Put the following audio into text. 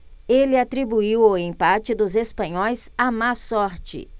ele atribuiu o empate dos espanhóis à má sorte